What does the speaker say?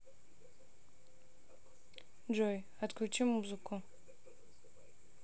джой отключи музыку